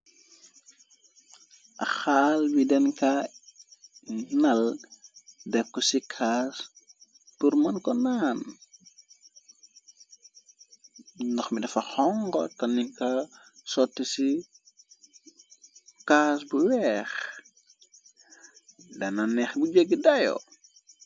Xaal wi danka nal dekku ci caas pur mën ko naan ndox mi dafa xonko tannika sotti ci caas bu weex dana neex bu jeg dayo.